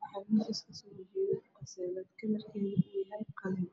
waxaa miska kasoo hor jeeda qasalad kalar keedu yahay qalin